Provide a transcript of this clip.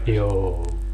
joo